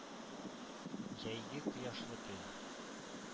Җәйге кояшлы көн.